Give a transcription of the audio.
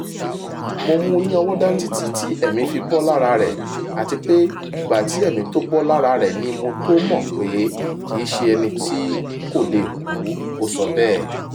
"Mó mú ní ọ̀wọ́ dání títí tí ẹ̀mí fi bọ́ lára rẹ̀ àtipé ìgbà tí ẹ̀mí tó bọ́ lára rẹ̀ ni mó tó mọ̀ pé kìíṣe ẹní tí kó lé kú,” ó sọ bẹ́ẹ̀.